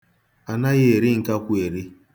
Anaghị eri nkakwụ eri.